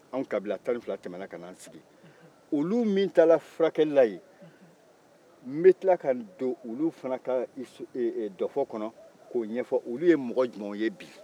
anw kabila tan ni fila tɛmɛna ka n'an sigi olu minnu fana taara furakɛli la ye n bɛ tila ka don olu ka dɔfɔ kɔnɔ k'o ɲɛfɔ olu ye mɔgɔ jumɛnw ye bi